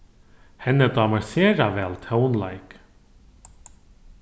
henni dámar sera væl tónleik